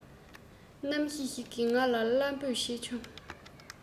རྣམ ཤེས ཤིག གིས ང ལ བླ འབོད བྱེད བྱུང